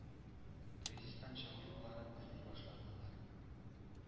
Кризистан чыгу юлларын эзли башладылар.